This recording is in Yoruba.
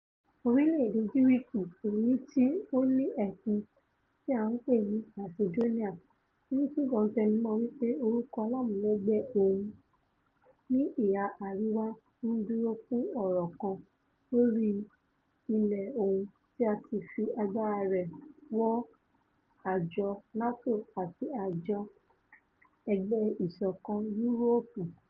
Orílẹ̀-èdè Gíríkì, èyití ó ni ẹkùn tí a ń pè ni Masidóníà, ń túbọ̀ tẹnumọ́ wí pé orúkọ aláàmúlégbè òun ní ìhà àríwá ń dúró fún ọ̀rọ̀ kan lóri ilẹ̀ òun tí ó sì fi agbára rẹ̀ wọ àjọ NATO àti àjọ EU.